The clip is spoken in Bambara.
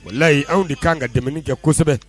Walahi anw de ka kan ka dɛmɛ kɛ kosɛbɛ.